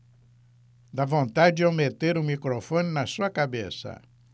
dá vontade de eu meter o microfone na sua cabeça